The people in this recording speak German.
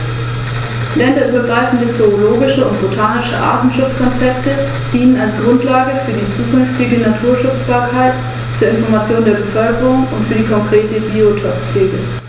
Der Schwanz der adulten Tiere ist braun und mehr oder weniger deutlich mit einigen helleren Bändern durchsetzt.